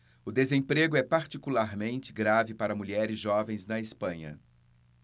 o desemprego é particularmente grave para mulheres jovens na espanha